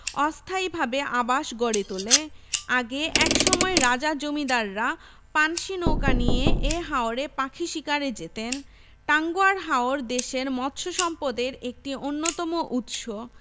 অস্থায়িভাবে আবাস গড়ে তোলে আগে একসময় রাজা জমিদাররা পানসি নৌকা নিয়ে এ হাওরে পাখি শিকারে যেতেন টাঙ্গুয়ার হাওর দেশের মৎস্যসম্পদের একটি অন্যতম উৎস